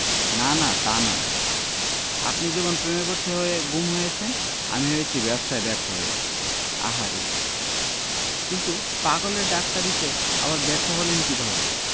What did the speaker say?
না না তা নয় আপনি যেমন প্রেমে ব্যর্থ হয়ে গুম হয়েছেন আমি হয়েছি ব্যবসায় ব্যর্থ হয়ে আহা রে কিন্তু পাগলের ডাক্তারিতে আবার ব্যর্থ হলেন কীভাবে